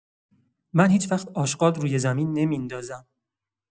من هیچ‌وقت آشغال روی زمین نمی‌ندازم.